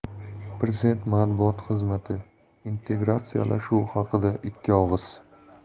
prezident matbuot xizmatiintegratsiyalashuv haqida ikki og'iz